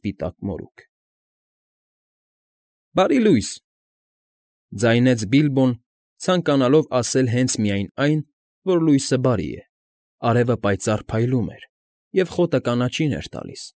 Սպիտակ մորուք։ ֊ Բարի լույս, ֊ ձայնեց Բիբլոն, ցանկանալով ասել հենց միայն այն, որ լույսը բարի է. արևը պայծառ փայլում էր, և խոտը կանաչին էր տալիս։